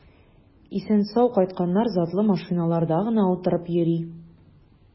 Исән-сау кайтканнар затлы машиналарда гына утырып йөри.